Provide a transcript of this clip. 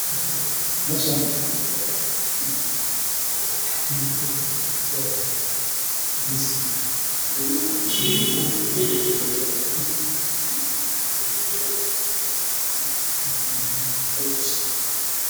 Meeshan yaalo caagada badan oo ay ku jiraan uunsi